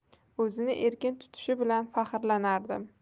o'zini erkin tutishi bilan faxrlanardim